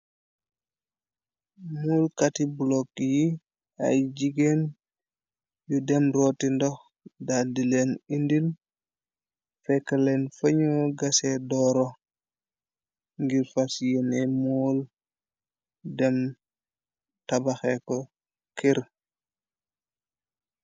Mool kati blok yi ay jigéen yu dem rooti ndox dal di leen indin fekkleen fañoo gase dooro ngir fas yene mool dem tabaxe ko kër.